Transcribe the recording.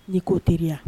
N'i koo teriya